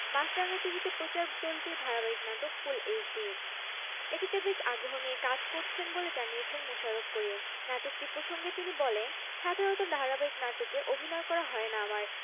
British বিজ্ঞানীদের এই উদ্ভাবনের ফলে তাদের রোগনির্নয় অনেক সহজ হয়ে যাবে তারা এই হেলমেট স্ক্যানারে কোয়ান্টাম সেন্সর ব্যবহার করেছেন বলে জানিয়েছেন এটি হাল্কা এবং কক্ষ তাপমাত্রাতেও ব্যবহার করা যায়